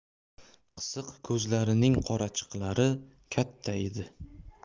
qisiq ko'zlarining qorachiglari katta edi